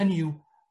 Hynny yw